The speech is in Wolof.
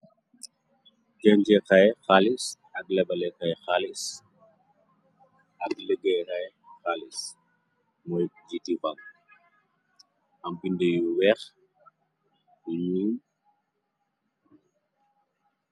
Denche kay xaalis ak labale xay xaalis. Ak léggée xay xaalis mooy jitifam am bindé yu weex yu ñuul.